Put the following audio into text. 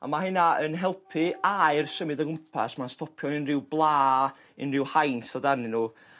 a ma' hynna yn helpu air symud o gwmpas ma'n stopio unryw bla unryw haint sydd arnyn n'w